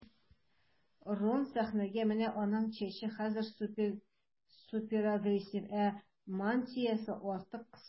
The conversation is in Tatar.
Рон сәхнәгә менә, аның чәче хәзер суперагрессив, ә мантиясе артык кыска.